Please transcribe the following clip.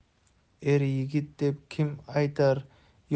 er yigit deb kim